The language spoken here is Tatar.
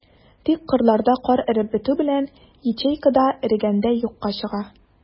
Тик кырларда кар эреп бетү белән, ячейка да эрегәндәй юкка чыга.